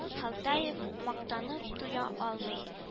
Халтаев мактанып туя алмый